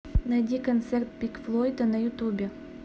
найди концерт пинк флойда на ютубе